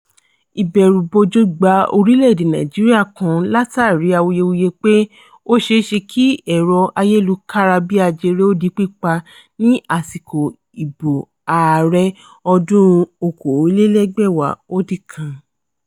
Ìbẹ̀rùbojo gba orílẹ̀-èdè Nàìjíríà kan látàrí awuyewuye pé ó ṣe é ṣe kí ẹ̀rọ ayélukára-bí-ajere ó di pípa ní àsìkò ìbò ààrẹ ọdún-un 2019.